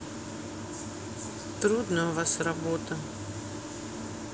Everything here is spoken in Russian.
трудная увас работа